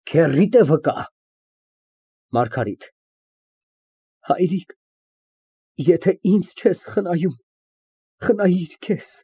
Քեռիդ վկա է… ՄԱՐԳԱՐԻՏ ֊ Հայրիկ, եթե ինձ չես խնայում, խնայիր քեզ։